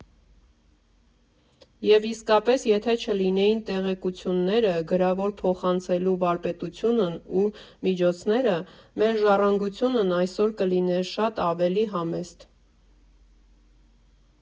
Եվ, իսկապես, եթե չլինեին տեղեկությունները գրավոր փոխանցելու վարպետությունն ու միջոցները, մեր ժառանգությունն այսօր կլիներ շատ ավելի համեստ։